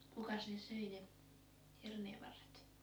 kukas ne söi ne herneenvarret